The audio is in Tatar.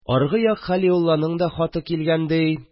Аргы як Хәлиулланың да хаты килгән ди.